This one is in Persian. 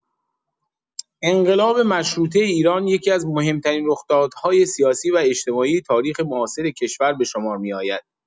انقلاب مشروطه ایران یکی‌از مهم‌ترین رخدادهای سیاسی و اجتماعی تاریخ معاصر کشور به شمار می‌آید.